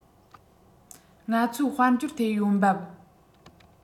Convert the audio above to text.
ང ཚོས དཔལ འབྱོར ཐད ཡོང འབབ